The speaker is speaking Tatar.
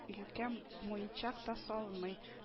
Юкә муенчак та салынмый